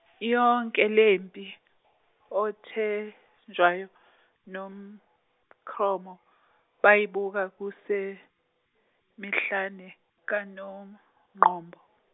yonke lempi, oTejwayo- noMkhromo- bayibuka kusemihlane, kaNongqombo.